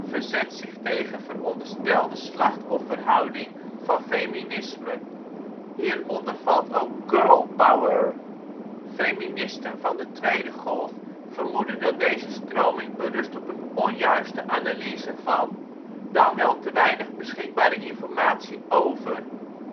verzet zich tegen veronderstelde slachtofferhouding van feminisme. Hieronder valt ook Girl Power. Feministen van de tweede golf vermoeden dat deze stroming berust op een onjuiste analyse van, dan wel te weinig beschikbare informatie over,